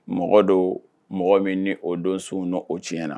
Mɔgɔ do mɔgɔ min ni o don